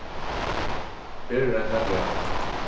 her er ein tendrari